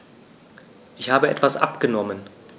Ich habe etwas abgenommen.